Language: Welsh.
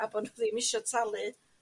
A bo' nhw ddim isio talu.